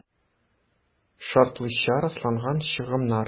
«шартлыча расланган чыгымнар»